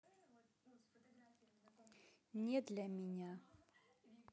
не для меня